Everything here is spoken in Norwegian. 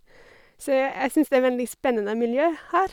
Så jeg syns det er en veldig spennende miljø her.